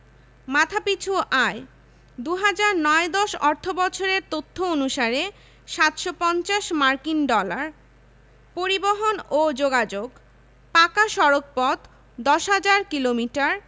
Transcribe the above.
TV station সম্প্রচার কেন্দ্রঃ ঢাকা ও চট্টগ্রাম রিলে সেন্টার চট্টগ্রাম সিলেট খুলনা নাটোর ময়মনসিংহ রংপুর নোয়াখালী